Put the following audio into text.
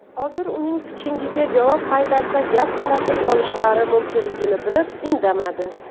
hozir uning pichingiga javob qaytarsa gap talashib qolishlari mumkinligini bilib indamadi